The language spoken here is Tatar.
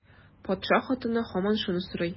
Патша хатыны һаман шуны сорый.